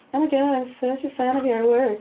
O my god I'm such a fan of your work.